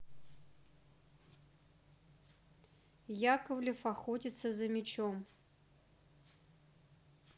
яковлев охотится за мечом